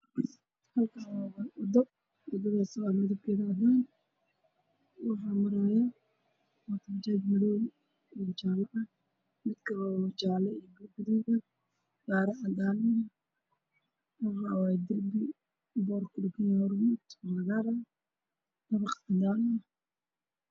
Halkaan waa wado midabkeedu waa cadaan waxaa maraayo mooto bajaaj madow iyo jaale ah, mid kaloo jaale iyo gaduud ah, gaari cadaan. Darbi boor kudhagan yahay midabkiisu waa buluug iyo cagaar, dabaq cadaan ah.